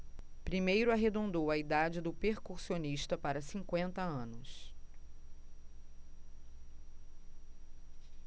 primeiro arredondou a idade do percussionista para cinquenta anos